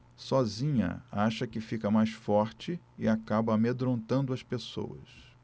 sozinha acha que fica mais forte e acaba amedrontando as pessoas